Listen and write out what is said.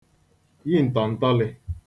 yi ǹtọ̀ǹtọlị̄